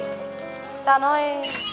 ta nói